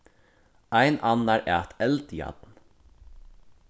ein annar æt eldjarn